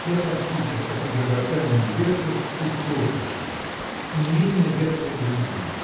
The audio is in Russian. Я похитил эту драгоценную ветхость у тетушки с не менее ветхой груди